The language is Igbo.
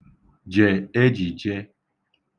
jè ejìjē